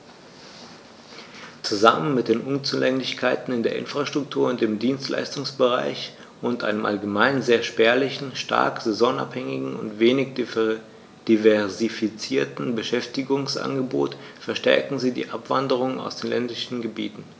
Zusammen mit den Unzulänglichkeiten in der Infrastruktur und im Dienstleistungsbereich und einem allgemein sehr spärlichen, stark saisonabhängigen und wenig diversifizierten Beschäftigungsangebot verstärken sie die Abwanderung aus den ländlichen Gebieten.